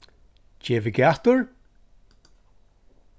gevið gætur